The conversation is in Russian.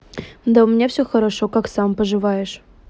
да у меня все хорошо как сам поживаешь